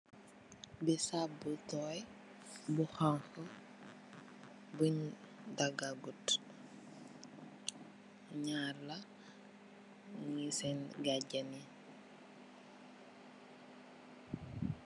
Bisap bu toy bu honku bun daga gutt, naar la nung senn gajan yi.